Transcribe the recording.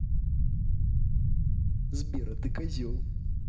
сбер а ты козел